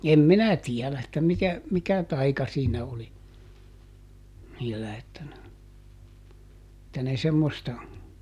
en minä tiedä että mitä mikä taika siinä oli niillä että ne että ne semmoista